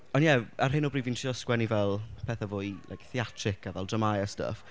Ond ie ar hyn o bryd fi'n trio sgwennu fel pethau fwy like theatrig, a fel dramâu a stwff.